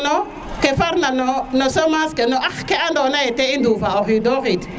fono ke far na no sémence ke no ax ke i ndufa o xido xid